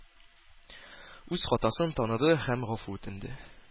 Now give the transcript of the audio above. Үз хатасын таныды һәм гафу үтенде.